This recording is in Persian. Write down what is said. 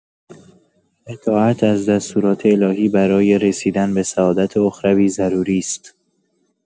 اطاعت از دستورات الهی برای رسیدن به سعادت اخروی ضروری است.